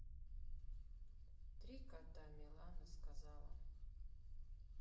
три кота милана сказала